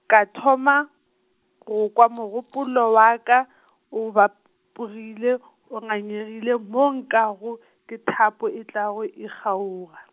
ka thoma, go kwa mogopolo wa ka , o bap- -pogile, o ngangegile mo nkwago, ke thapo e tlago e kgaoga.